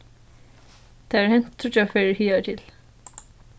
tað er hent tríggjar ferðir higartil